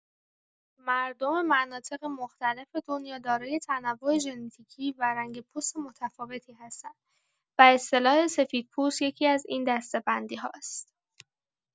مردم مناطق مختلف دنیا دارای تنوع ژنتیکی و رنگ پوست متفاوتی هستند و اصطلاح «سفیدپوست» یکی‌از این دسته‌بندی‌هاست.